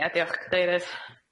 Ia diolch Cadeirydd.